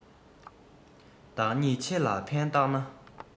བདག ཉིད ཆེ ལ ཕན བཏགས ན